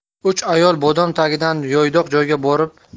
uch ayol bodom tagidan yaydoq joyga borib